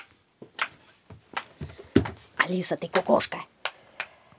алиса ты кукушка